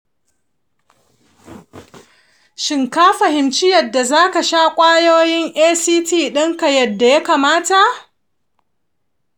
shin ka fahimci yadda zaka sha kwayoyin act dinka yadda ya kamata?